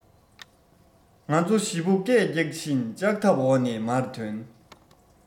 ང ཚོ བཞི པོ སྐད རྒྱག བཞིན ལྕག ཐབས འོག ནས མར ཐོན